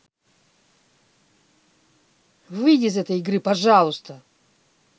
выйди из этой игры пожалуйста